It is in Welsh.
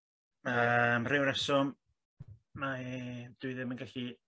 Yym ryw reswm mai- dwi ddim yn gallu